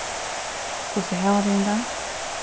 hvussu hava tygum tað